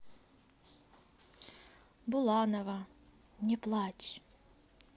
буланова не плачь